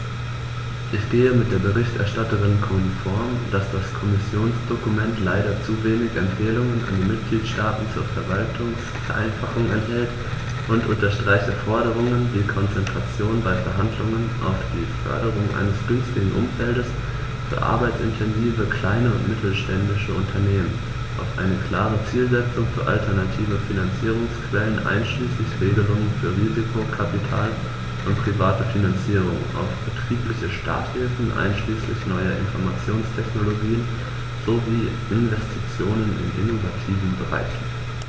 Ich gehe mit der Berichterstatterin konform, dass das Kommissionsdokument leider zu wenig Empfehlungen an die Mitgliedstaaten zur Verwaltungsvereinfachung enthält, und unterstreiche Forderungen wie Konzentration bei Verhandlungen auf die Förderung eines günstigen Umfeldes für arbeitsintensive kleine und mittelständische Unternehmen, auf eine klare Zielsetzung für alternative Finanzierungsquellen einschließlich Regelungen für Risikokapital und private Finanzierung, auf betriebliche Starthilfen einschließlich neuer Informationstechnologien sowie Investitionen in innovativen Bereichen.